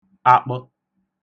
akpə̣